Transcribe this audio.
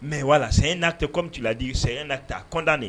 Mɛ wala saya n'a tɛ comtiladi sɛ na taa kɔntan de